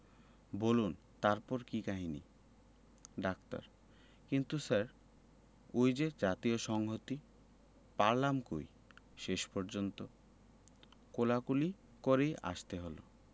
বুলন তারপর কি কাহিনী ডাক্তার কিন্তু স্যার ওই যে জাতীয় সংহতি পারলাম কই শেষ পর্যন্ত কোলাকুলি করেই আসতে হলো